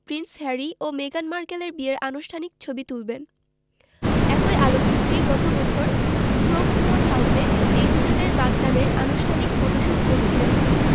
Prince Harry ও মেগান মার্কেলের বিয়ের আনুষ্ঠানিক ছবি তুলবেন একই আলোকচিত্রী গত বছর ফ্রোগমোর হাউসে এই দুজনের বাগদানের আনুষ্ঠানিক ফটোশুট করছিলেন